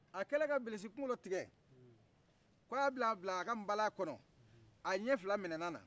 a kelen ka bilisi kungolo tigɛ k'a bɛ na bila a ka nbalan kɔnɔ a ɲɛ fila minɛna ala